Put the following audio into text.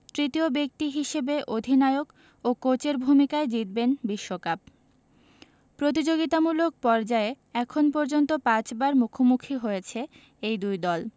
তৃতীয় ব্যক্তি হিসেবে অধিনায়ক ও কোচের ভূমিকায় জিতবেন বিশ্বকাপ প্রতিযোগিতামূলক পর্যায়ে এখন পর্যন্ত পাঁচবার মুখোমুখি হয়েছে এই দুই দল